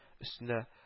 Өстендә